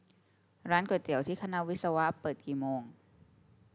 ร้านก๋วยเตี๋ยวที่คณะวิศวะเปิดกี่โมง